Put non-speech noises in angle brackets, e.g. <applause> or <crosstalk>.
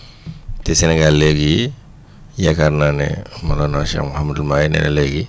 <breath> te Sénégal léegi yaakaar naa ne Mawalana Cheikh Mouhamadul Mahi nee na léegi